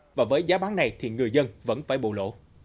và với giá bán này thì người dân vẫn phải bù lỗ